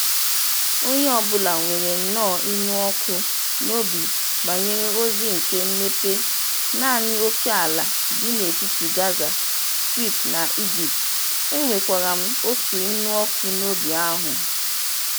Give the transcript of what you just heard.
Onye ọbụla nwere nnọọ ịṅụ ọkụ n'obi banyere ozi nke mmepe naanị ókèala dị n'etiti Gaza Strip na Egypt, e nwekwara m otu ịṅụ ọkụ n'obi ahụ.